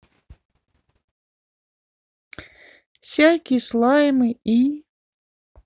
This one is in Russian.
всякие слаймы и